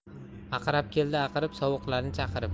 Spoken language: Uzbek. aqrab keldi aqirib sovuqlarni chaqirib